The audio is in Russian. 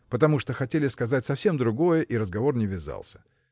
потому что хотели сказать совсем другое и разговор не вязался.